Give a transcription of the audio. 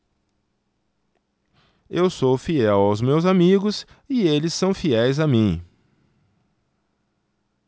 eu sou fiel aos meus amigos e eles são fiéis a mim